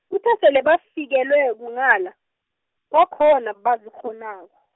kuthe sele bafikelwa kunghala, kwakhona abazikghonako.